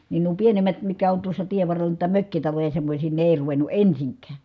niin nuo pienemmät mitkä on tuossa tienvarrella noita mökkitaloja semmoisia ne ei ruvennut ensinkään